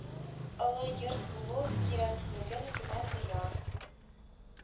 Ылы йорт булу кирәклеген генә тоя